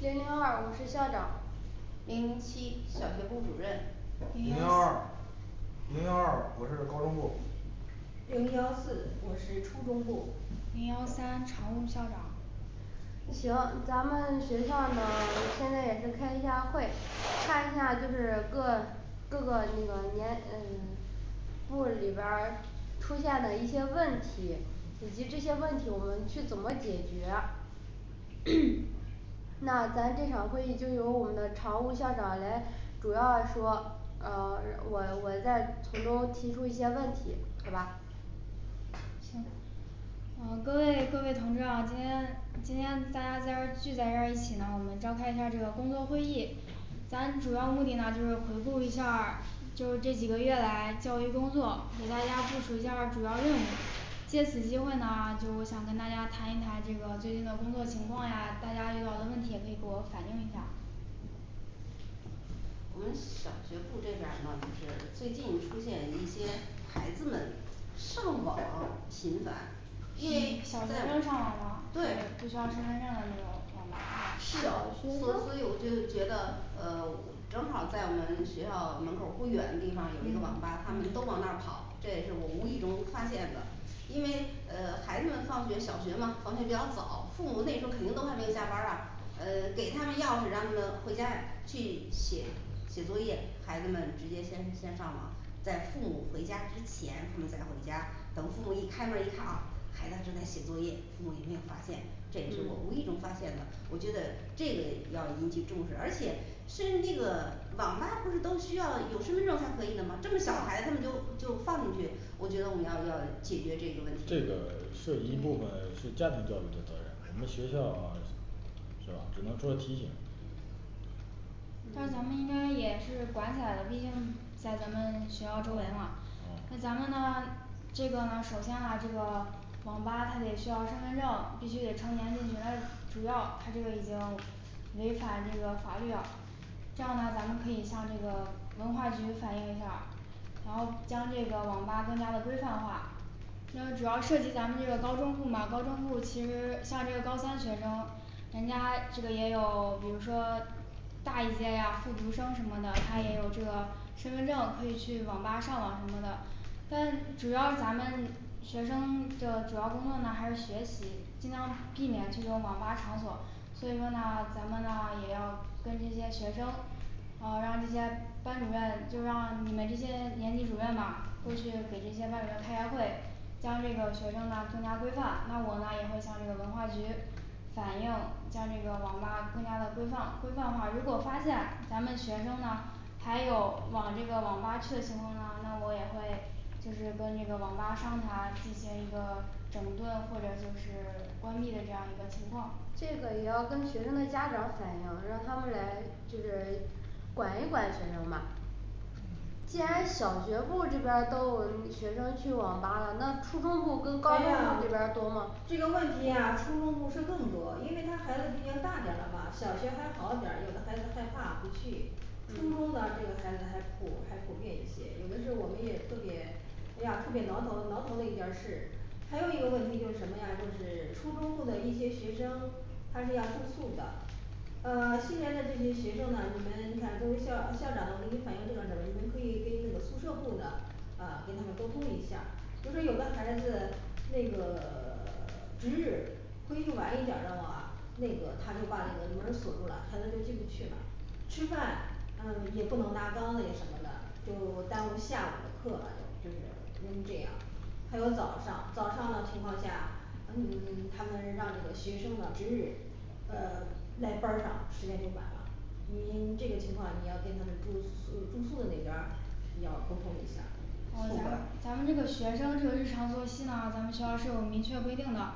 零零二我是校长零零七小学部主任零零幺幺二零幺二我是高中部零幺四我是初中部零幺三常务校长行，咱们学校呢现在也是开一下会，看一下就是各各个那个年嗯 部里边儿出现的一些问题，以及这些问题我们去怎么解决？那咱这场会议就由我们的常务校长来主要说呃我我再从中提出一些问题好吧？行。呃各位各位同志好，今天今天大家在这儿聚在这儿一起呢我们召开一下儿这个工作会议咱主要目的呢就是回顾一下儿就是这几个月来教育工作，给大家部署一下儿主要任务借此机会呢就我想跟大家谈一谈这个最近的工作情况呀，大家遇到的问题也可以给我反映一下。我们小学部这边儿呢就是最近出现一些孩子们上网频繁，因嗯为在小学生上网吗，对不需要身份证的那种网吧是吧是的小，学所所以生我就觉得呃正好儿在我们学校门口儿不远的地方，有一个网吧嗯他们都往那嗯儿跑，这也是我无意中发现的因为呃孩子们放学小学嘛放学比较早，父母那时候肯定都还没有下班儿啊呃给他们钥匙，让他们回家去写写作业，孩子们直接先先上网在父母回家之前，他们再回家，等父母一开门儿一看啊孩子还正在写作业，父母也没有发现？这也是我无嗯意中发现的，我觉得这个要引起重视，而且身那个网吧不是都需要有身份证才可以的吗？这么小孩他们就就放进去我觉得我们要要解决这个问题，这个涉及一部分对是家庭教育的责任。我们学校啊是吧？只能说提醒但是咱们应该也是管起来的，毕竟在咱们学校周围嘛嗯，那嗯咱们呢这个呢首先啦这个网吧它得需要身份证，必须得成年进去，主要它这个已经违反这个法律了这样呢咱们可以向这个文化局反映一下儿然后将这个网吧更加的规范化。那主要涉及咱们这个高中部嘛，高中部其实像这个高三学生人家 这个也有比如说大一些呀复读生什么的，他也有这个嗯身份证可以去网吧上网什么的。但主要咱们学生 的主要工作呢还是学习，尽量避免这个网吧场所所以说呢咱们啊也要根据这些学生然后让这些班主任就让你们这些年级主任嘛过去给这些班主任开下会将这个学生呢更加规范，那我呢也会向这个文化局反映将这个网吧更加的规范规范化，如果发现咱们学生呢还有往这个网吧去的情况呢，那我也会就是跟这个网吧商谈进行一个整顿或者就是关闭的这样一个情况这个也要跟学生的家长反映，让他们来就是管一管学生吧。既然小学部这边儿都有学生去网吧了，那初中部跟高中哎部这边儿多呀吗？这个问题呀初中部是更多，因为他孩子毕竟大点儿了嘛，小学还好点儿，有的孩子害怕不去初中呢这个孩子还普还普遍一些，有的时候我们也特别诶呀特别挠头挠头的一件儿事。还有一个问题就是什么呀就是初中部的一些学生，他是要住宿的呃新来的这些学生呢，你们看作为校校长呢，我给你反映这个事儿吧，你们可以给那个宿舍部呢啊跟他们沟通一下，就是有的孩子那个 值日回去晚一点儿的话，那个他就把那个门儿锁住了，孩子就进不去了。吃饭嗯也不能拿缸那什么的，就耽误下午的课了就就是。嗯这样。还有早上早上的情况下，嗯 他们让这个学生呢值日呃来班儿上时间就晚啦。你这个情况你要跟他们住宿住宿的那边儿要沟通一下，呃宿管咱咱们这个学生这个日常作息呢，咱们学校是有明确规定的